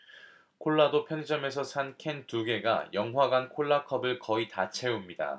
콜라도 편의점에서 산 캔 두 개가 영화관 콜라 컵을 거의 다 채웁니다